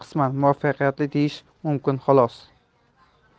qisman muvaffaqiyatli deyish mumkin xolos